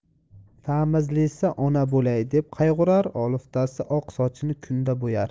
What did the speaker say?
tamizlisi ona bo'lay deb qayg'urar oliftasi oq sochini kunda bo'yar